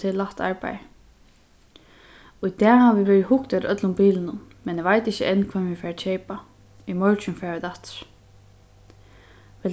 tað er lætt arbeiði í dag havi vit verið og hugt eftir øllum bilunum men eg veit ikki enn hvønn vit fara at keypa í morgin fara vit aftur